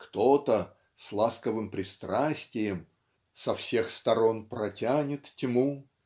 "кто-то" с ласковым пристрастием Со всех сторон протянет тьму